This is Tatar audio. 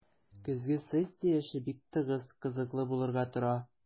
Көзге сессия эше бик тыгыз, кызыклы булырга тора.